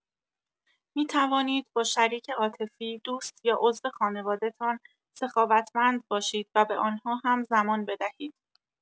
می‌توانید با شریک عاطفی، دوست یا عضو خانواده‌تان سخاوتمند باشید و به آن‌ها هم‌زمان بدهید.